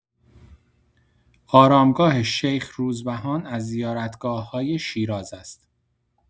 آرامگاه شیخ روزبهان از زیارتگاه‌های شیراز است.